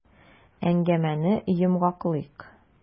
Әңгәмәне йомгаклыйк.